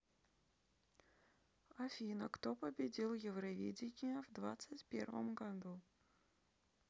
афина кто победил евровидение в двадцать первом году